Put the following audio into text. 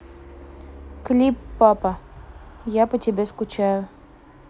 клип папа я по тебе скучаю